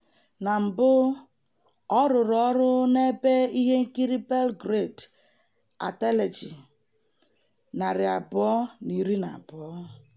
Na mbụ, ọ rụrụ ọrụ n'ebe ihe nkiri Belgrade Atelje 212.